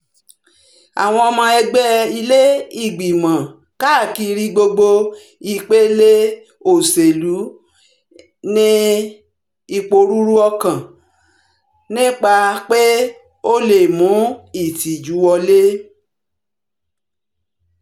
Àwọn ϙmϙ ẹgbẹ́ ilé ìgbìmọ̀ káàkiri gbogbo ìpele òṣèlú ń ní ìpòrúru-ọkàn nípa pe ó lè mú ìtìjú wọlé.